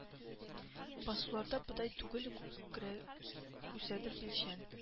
Басуларда бодай түгел күкрә үсәдер билчән